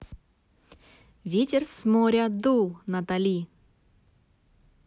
ветер с моря дул натали